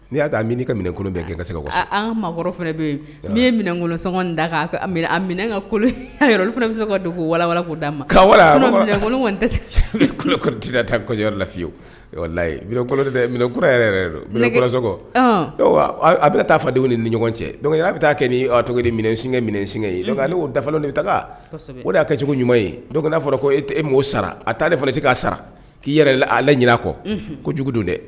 N y'a min ka minɛnkolon bɛn kɛ ka ma bɛ min ye minɛnkolonsɔngɔ da minɛ ka kolo fana bɛ se ka don ko wawa ko d'a makolon taa lafiyeyisokɔ a bɛ taa fadenw ni ni ɲɔgɔn cɛ dɔnku'a bɛ taa kɛ cogo s s ye ne ko dafa taga o de y'a kɛ cogo ɲuman ye don kana'a fɔra ko e sara a taa de fana tɛ k'a sara k'i yɛrɛ a la ɲinin a kɔ ko jugu don dɛ